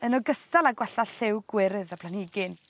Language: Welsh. yn ogystal â gwella lliw gwyrdd y planhigyn.